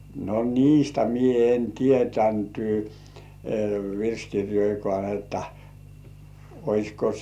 no niistä minä en tiennyt virsikirjojakaan että olisiko